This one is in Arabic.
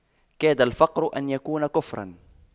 كاد الفقر أن يكون كفراً